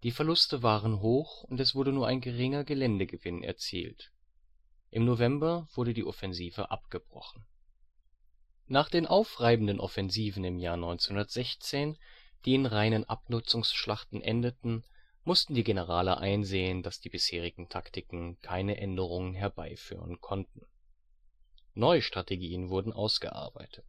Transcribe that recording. Verluste waren hoch, und es wurde nur ein geringer Geländegewinn erzielt. Im November wurde die Offensive abgebrochen. Datei:Cambrai 1915. jpg Cambrai im Jahr 1915 Nach den aufreibenden Offensiven im Jahr 1916, die in reinen Abnutzungsschlachten endeten, mussten die Generale einsehen, dass die bisherigen Taktiken keine Änderung herbeiführen konnten. Neue Strategien wurden ausgearbeitet